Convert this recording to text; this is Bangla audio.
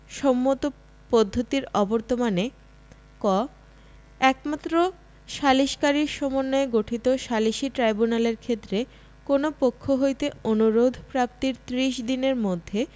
সম্মত পদ্ধতির অবর্তমানে ক একমাত্র সালিকসারীর সমন্বয়ে গঠিত সালিসী ট্রাইব্যুনালের ক্ষেত্রে কোন পক্ষ হইতে অনুরোধ প্রাপ্তির ত্রিশ দিনের মধ্যে